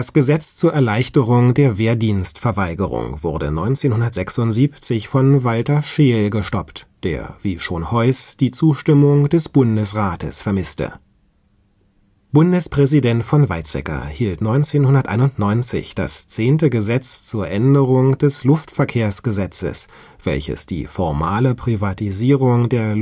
Gesetz zur Erleichterung der Wehrdienstverweigerung “wurde 1976 von Walter Scheel gestoppt, der wie schon Heuss die Zustimmung des Bundesrates vermisste. Bundespräsident von Weizsäcker hielt 1991 das „ 10. Gesetz zur Änderung des Luftverkehrsgesetzes “, welches die formale Privatisierung der